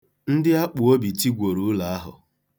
Ndị akpụobi tigworo ụlọ ahụ.